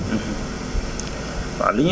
waaw li ñu